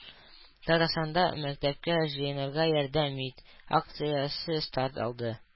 Татарстанда “Мәктәпкә җыенырга ярдәм ит!” акциясе старт алды